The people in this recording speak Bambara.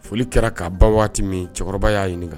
Foli kɛra ka ban waati min cɛkɔrɔba y'a ɲininka